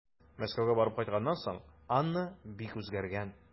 Мәскәүгә барып кайтканнан соң Анна бик үзгәргән.